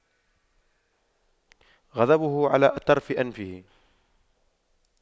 غضبه على طرف أنفه